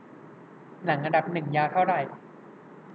หนังอันดับหนึ่งยาวเท่าไหร่